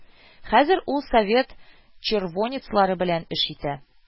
Хәзер ул совет червонецлары белән эш итә